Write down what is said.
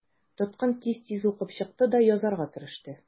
Тоткын тиз-тиз укып чыкты да язарга кереште.